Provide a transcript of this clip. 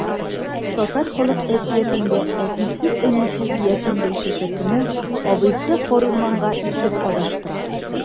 Татар халык әкиятендә әтисез-әнисез ятим Гөлчәчәкне абыйсы карурманга илтеп адаштыра.